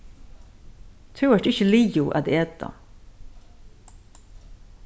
tú ert ikki liðug at eta